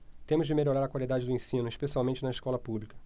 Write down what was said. temos de melhorar a qualidade do ensino especialmente na escola pública